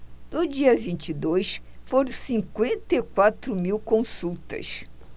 no dia vinte e dois foram cinquenta e quatro mil consultas